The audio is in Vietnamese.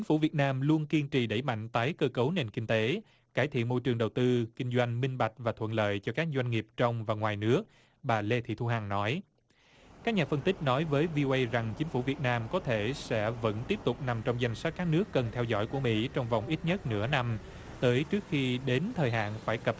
phủ việt nam luôn kiên trì đẩy mạnh tái cơ cấu nền kinh tế cải thiện môi trường đầu tư kinh doanh minh bạch và thuận lợi cho các doanh nghiệp trong và ngoài nước bà lê thị thu hằng nói các nhà phân tích nói với vi ô guây rằng chính phủ việt nam có thể sẽ vẫn tiếp tục nằm trong danh sách các nước cần theo dõi của mỹ trong vòng ít nhất nửa năm tới trước khi đến thời hạn phải cập